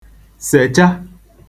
sècha